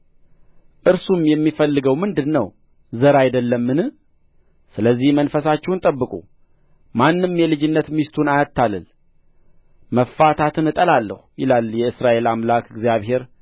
እርሱም የሚፈልገው ምንድር ነው ዘር አይደለምን ስለዚህ መንፈሳችሁን ጠብቁ ማንም የልጅነት ሚስቱን አያታልል መፋታትን እጠላለሁ ይላል የእስራኤል አምላክ እግዚአብሔር